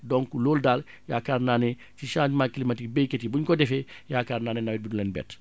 donc loolu daal yaakaar naa ne si changement climatique baykat yi buñ ko defee yaakaar naa ne nawet bi du leen bett